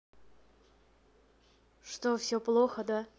что все плохо да